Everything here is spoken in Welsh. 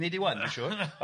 nei di ŵan, dwi'n siŵr .